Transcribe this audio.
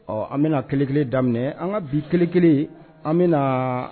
Ɔ an bɛna kelen kelen daminɛ an ka bi kelen kelen an bɛna na